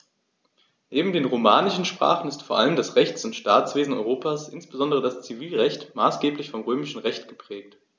Neben den romanischen Sprachen ist vor allem das Rechts- und Staatswesen Europas, insbesondere das Zivilrecht, maßgeblich vom Römischen Recht geprägt.